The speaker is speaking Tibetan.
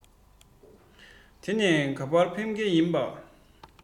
དེ ནས ག པར ཕེབས མཁན ཡིན པྰ